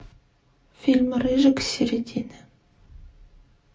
фильм рыжик с середины